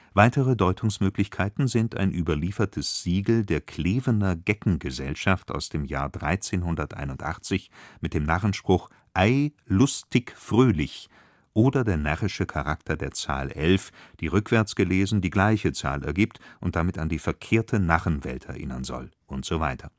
Weitere Deutungsmöglichkeiten sind ein überliefertes Siegel der Klevener Geckengesellschaft aus dem Jahr 1381 mit dem Narrenspruch Ey Lustig Fröhlich oder der närrische Charakter der Zahl 11, die rückwärts gelesen, die gleiche Zahl ergibt und damit an die verkehrte Narrenwelt erinnern soll usw.